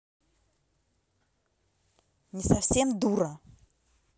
не совсем дура